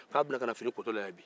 k'a bɛ na ka fini kotɔ lajɛ bi